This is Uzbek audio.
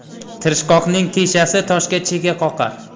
tirishqoqning teshasi toshga chega qoqar